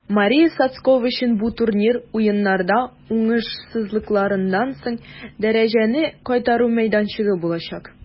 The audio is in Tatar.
Мария Сотскова өчен бу турнир Уеннарда уңышсызлыклардан соң дәрәҗәне кайтару мәйданчыгы булачак.